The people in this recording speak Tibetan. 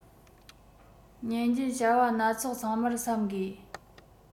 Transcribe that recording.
ཉིན རྒྱུན བྱ བ སྣ ཚོགས ཚང མར བསམ དགོས